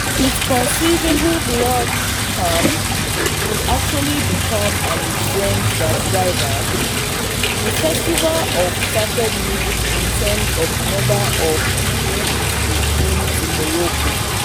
It's conceivable Blog Camp could actually become an event that rivals The Festival of Sacred Music in terms of the number of people it could bring to Morocco.